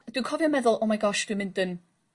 dwi cofio meddwl *oh my gosh& dwi'n mynd yn